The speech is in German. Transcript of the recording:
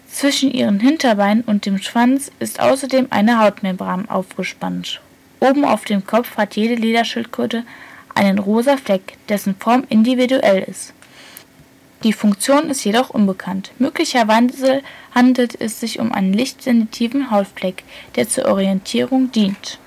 Zwischen ihren Hinterbeinen und dem Schwanz ist außerdem eine Hautmembran aufgespannt. Oben auf dem Kopf hat jede Lederschildkröte einen rosa Fleck, dessen Form individuell ist. Die Funktion ist unbekannt; möglicherweise handelt es sich um einen lichtsensitiven Hautfleck, der zur Orientierung dient